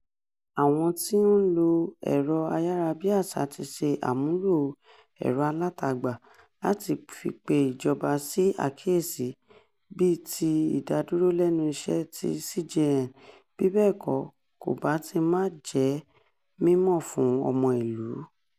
Àwọn tí ó ń lo ẹ̀rọ-ayárabíaṣá ti ṣe àmúlò ẹ̀rọ-alátagbà láti fi pe ìjọba sí àkíyèsí, bíi ti ìdádúró-lẹ́nu-iṣẹ́ ti CJN, bí bẹ́ẹ̀ kọ́, kò bá ti máà jẹ́ mímọ̀ fún ọmọ ìlú.